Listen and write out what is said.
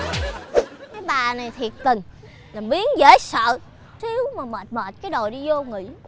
mấy bà này thiệt tình làm biếng dễ sợ xíu mà mệt mệt cái đòi đi dô nghỉ